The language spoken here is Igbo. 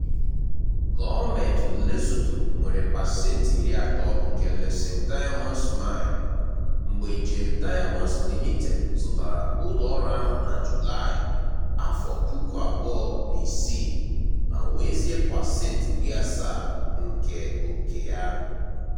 Gọọmenti Lesotho nwere pasenti 30 nke Letšeng Diamonds Mine, mgbe Gem Diamonds Limited zụtara ụlọọrụ ahụ na Julaị 2006 ma nwezie pasenti 70 nke ókè ya.